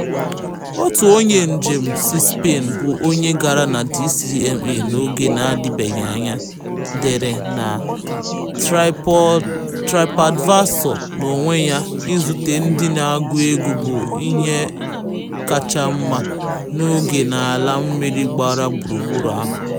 Otu onye njem si Spain, bụ onye gara na DCMA n'oge na-adịbeghị anya, dere na TripAdvisor: "N'onwe ya, izute ndị na-agụ egwú bụ ihe kacha mma n'oge m n'ala mmiri gbara gburugburu" ahụ.